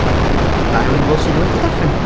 Ac, da iawn i bobl sydd wedi'i darllan hi.